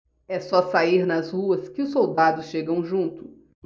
é só sair nas ruas que os soldados chegam junto